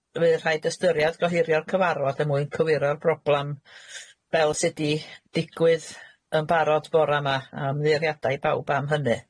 Bydd rhaid ystyriad gohirio'r cyfarfod er mwyn cywiro'r broblam, fel sy' di digwydd yn barod bora ma', a ymddiheuriada i bawb am hynny.